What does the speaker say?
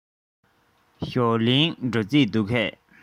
ཞའོ ལིའི འགྲོ རྩིས འདུག གས